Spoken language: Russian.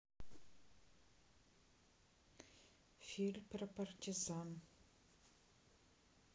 фильм про партизан